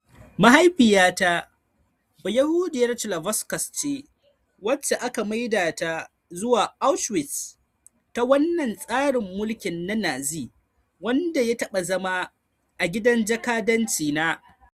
Mahaifiyata bayahudiyar Czechoslovak ce wacce aka maida ta zuwa Auschwitz ta wannan tsarin mulkin na Nazi wanda ya taba zama a gidan jakadanci na.